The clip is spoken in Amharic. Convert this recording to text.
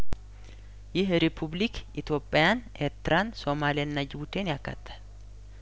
ይህ ሪፑብሊክ ኢትዮጵያን ኤትራን ሶማልያና ጅቡቲን ያካትታል